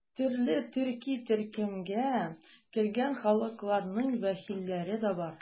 Төрле төрки төркемгә кергән халыкларның вәкилләре дә бар.